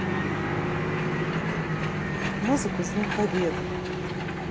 музыку с днем победы